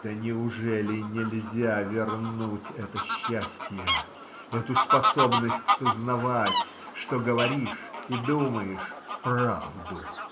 Да неужели нельзя вернуть это счастье, эту способность сознавать, что говоришь и думаешь правду?